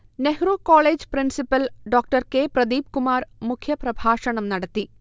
Nehru college principal Dr K Pradeepkumar മുഖ്യപ്രഭാഷണം നടത്തി